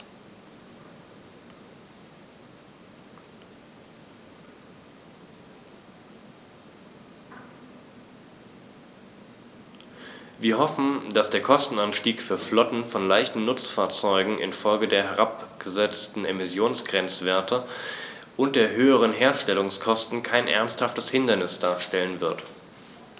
Wir hoffen, dass der Kostenanstieg für Flotten von leichten Nutzfahrzeugen in Folge der herabgesetzten Emissionsgrenzwerte und der höheren Herstellungskosten kein ernsthaftes Hindernis darstellen wird.